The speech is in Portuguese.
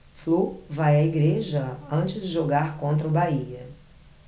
flu vai à igreja antes de jogar contra o bahia